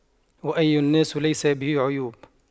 وأي الناس ليس به عيوب